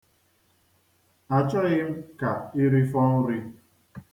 Achọghị m ka i rifọ nri.